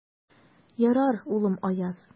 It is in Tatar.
Ярар, улым, Аяз.